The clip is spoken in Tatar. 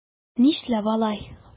Нишләп алай?